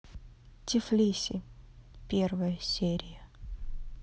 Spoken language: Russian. тифлиси первая серия